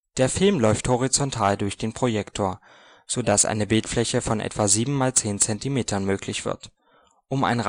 Der Film läuft horizontal durch den Projektor, so dass eine Bildfläche von etwa 7 x 10 cm möglich wird. Um ein